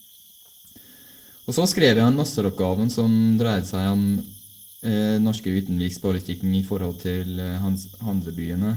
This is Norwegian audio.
Og så skrev jeg en masteroppgaven, som dreide seg om norske utenrikspolitikken i forhold til hans Hansabyene.